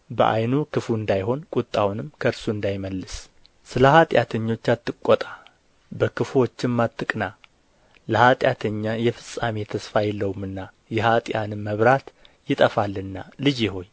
በዓይኑ ክፉ እንዳይሆን ቍጣውንም ከእርሱ እንዳይመልስ ስለ ኃጢአተኞች አትቈጣ በክፉዎችም አትቅና ለኃጢአተኛ የፍጻሜ ተስፋ የለውምና የኅጥኣንም መብራት ይጠፋልና ልጄ ሆይ